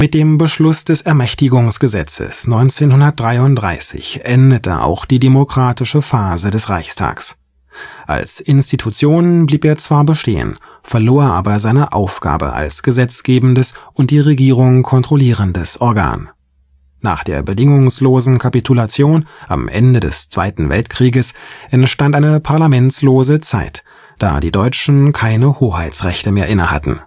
dem Beschluss des Ermächtigungsgesetzes 1933 endete auch die demokratische Phase des Reichstags. Als Institution blieb er zwar bestehen, verlor aber seine Aufgabe als gesetzgebendes und die Regierung kontrollierendes Organ. Nach der bedingungslosen Kapitulation am Ende des Zweiten Weltkrieges entstand eine parlamentslose Zeit, da die Deutschen keine Hoheitsrechte mehr innehatten